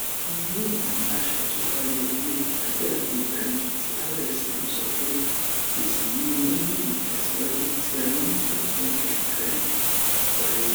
Paul Newman, aṣàtúpalẹ̀ ilé fààjì àti ìgbàlejò ti RSM sọ pé: ‘’Esi yii ni o ni ìtẹ̀siwaju ti a ri ni opin oṣu kẹrin wáyé.